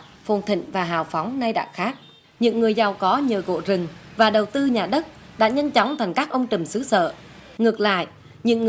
phồn thịnh và hào phóng nay đã khác những người giàu có nhờ gỗ rừng và đầu tư nhà đất đã nhanh chóng thành các ông trùm xứ sở ngược lại nhiều người